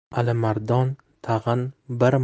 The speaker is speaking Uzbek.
alimardon tag'in bir